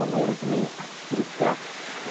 o wyrddni a brige.